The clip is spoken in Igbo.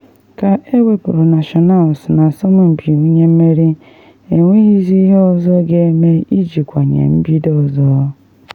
Ka ewepuru Nationals na asọmpi onye mmeri, enweghịzị ihe ga-eme iji kwanye mbido ọzọ.